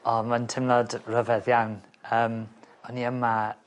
O ma'n timlad ryfedd iawn yym o'n i yma